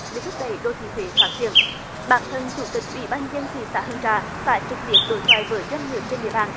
để thúc đẩy đô thị huế phát triển bản thân chủ tịch ủy ban nhân dân thị xã hương trà phải trực tiếp đối thoại với doanh nghiệp trên địa bàn